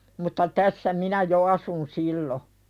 mutta tässä minä jo asuin silloin